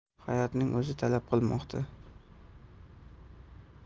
hayotning o'zi talab qilmoqda